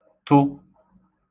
tụ